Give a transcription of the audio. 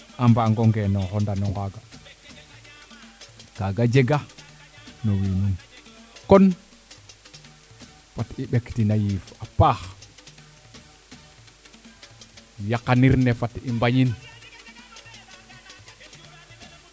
a mbango ngenoox o ndano ngaaga kaaga jega no wiinum kon fat ɓektina yiif a paax yaqanir ne fat i mbañin